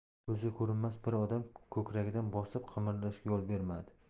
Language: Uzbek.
ko'zga ko'rinmas bir odam ko'kragidan bosib qimirlashga yo'l bermadi